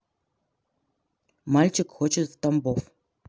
мальчик хочет в тамбов